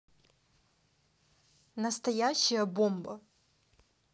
настоящая бомба